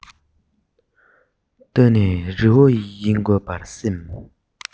འདི ནི རི བོ ཡིན དགོས པར སེམས